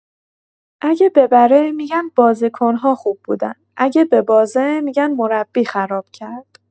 اگه ببره می‌گن بازیکن‌ها خوب بودن، اگه ببازه می‌گن مربی خراب کرد.